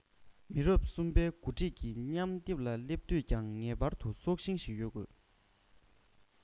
མི རབས གསུམ པའི འགོ ཁྲིད ཀྱི མཉམ བསྡེབ ལ སླེབས དུས ཀྱང ངེས པར དུ སྲོག ཤིང ཞིག ཡོད དགོས